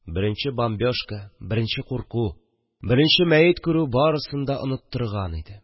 Беренче бомбежка, беренче курку, беренче мәет күрү барысын да оныттырган иде